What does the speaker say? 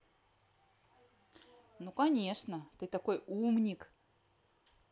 ну конечно ты такой умник